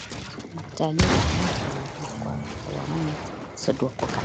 มักจ่ายเงินผ่านมือถือมากกว่า เพราะว่ามันสะดวกกว่ากัน